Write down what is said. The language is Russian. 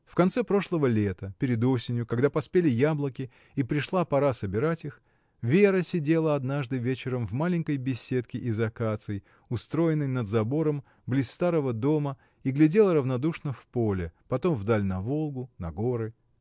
В конце прошлого лета, перед осенью, когда поспели яблоки и пришла пора собирать их, Вера сидела однажды вечером в маленькой беседке из акаций, устроенной над забором, близ старого дома, и глядела равнодушно в поле, потом вдаль на Волгу, на горы.